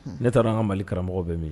Ne taara an ka mali karamɔgɔ bɛ min